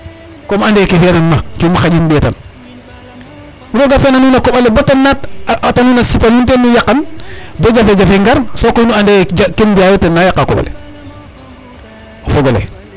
Gomme ande ke fi'ananma cungim xaƴin ɗeetan roog a fi'ana nuun a koƥ ale bata naat a at a nuun a sipa nuun ten nu yaqan bo jafejafe ngar so koy nu ande yee ken mbi'aayo ten naa yaqaa koƥ ale o fog ole.